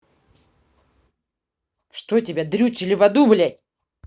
что тебя дрючили в аду блядь